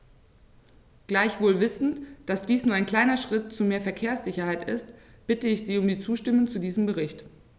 Gleichwohl wissend, dass dies nur ein kleiner Schritt zu mehr Verkehrssicherheit ist, bitte ich Sie um die Zustimmung zu diesem Bericht.